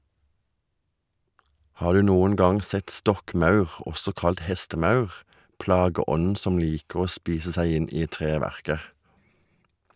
Har du noen gang sett stokkmaur, også kalt hestemaur, plageånden som liker å spise seg inn i treverket?